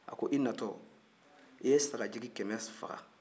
a ko i natɔ i ye sagajigi kɛmɛ faga